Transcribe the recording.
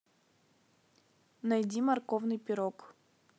найди морковный пирог